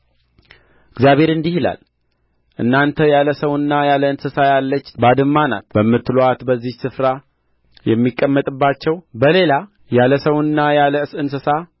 እግዚአብሔር እንዲ ይላል እናንተ ያለ ሰውና ያለ እንስሳ ያለች ባድማ ናት በምትሉአት በዚህች ስፍራ የሚቀመጥባቸው በሌላ ያለ ሰውና ያለ እንስሳ